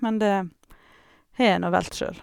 Men det har jeg nå valgt sjøl.